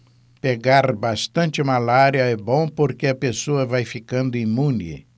pegar bastante malária é bom porque a pessoa vai ficando imune